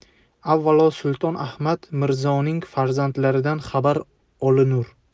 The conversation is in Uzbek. avvalo sulton ahmad mirzoning farzandlaridan xabar olinur